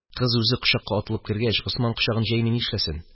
Кыз үзе кочакка атылып кергәч, Госман кочагын җәйми нишләсен?